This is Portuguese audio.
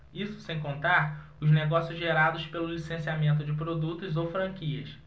isso sem contar os negócios gerados pelo licenciamento de produtos ou franquias